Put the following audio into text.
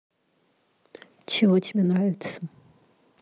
чего тебе нравится